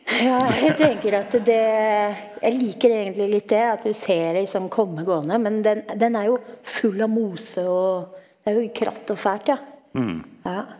ja jeg tenker at det jeg liker egentlig litt det at du ser de liksom komme gående, men den den er jo full av mose og det er jo kratt og fælt ja ja.